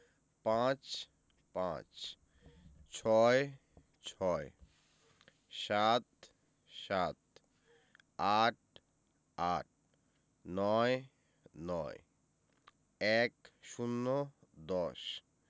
৫ – পাঁচ ৬ - ছয় ৭ - সাত ৮ - আট ৯ - নয় ১০ – দশ